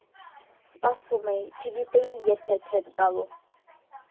Սպասում էի, չգիտեի՝ երբ ես հետ գալու…